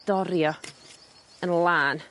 dori o yn lân